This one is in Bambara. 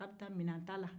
ka bɛ taa minɛnta la